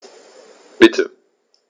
Bitte.